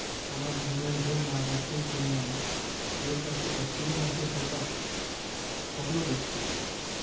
আমার ঘুমের ঘোর না কাটতেই শুনলাম তোর কাছে এ্যাসপিরিন আছে খোকা স্বপ্ন দেখছি